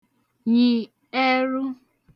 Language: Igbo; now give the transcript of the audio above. nyi ẹru